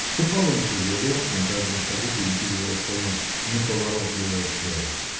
ступал он тяжело, на каждом шагу перекидывая свое неповоротливое тело.